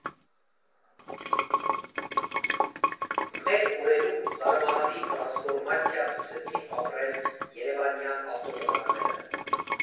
Մեր օրերում զարմանալի տրանսֆորմացիա սկսեցին ապրել երևանյան ավտոտնակները։